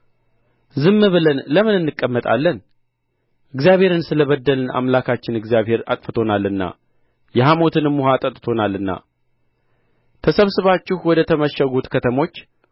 ዝም ብለን ለም እንቀመጣለን እግዚአብሔርን ስለ በደልን አምላካችን እግዚአብሔር አጥፍቶናልና የሐሞትንም ውኃ አጠጥቶናልና ተሰብስባችሁ ወደ ተመሸጉ ከተሞች